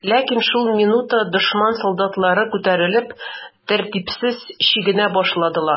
Ләкин шул минутта дошман солдатлары күтәрелеп, тәртипсез чигенә башладылар.